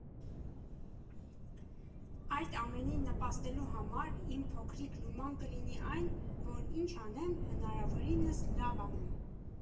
Այդ ամենին նպաստելու համար իմ փոքրիկ լուման կլինի այն, որ ինչ անեմ, հնարավորինս լավ անեմ։